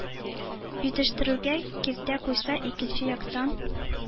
Җитештерүгә киртә куйса, икенче яктан,